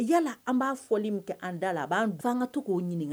Yala an b'a fɔli min kɛ an da la a b'an fo an ka to k'o ɲininka